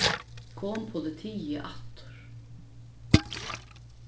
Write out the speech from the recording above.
kom politiið aftur